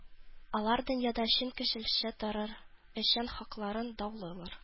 Алар дөньяда чын кешеләрчә торыр өчен хакларын даулыйлар